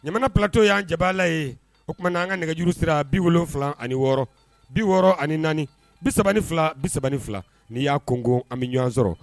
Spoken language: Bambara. Ɲamana ptɔ y'an jala ye o tumaumana an ka nɛgɛjuru sira bi wolonfila ani wɔɔrɔ bi wɔɔrɔ ani naani bi fila bisa fila ni y'a koko ani bɛ ɲɔgɔn sɔrɔ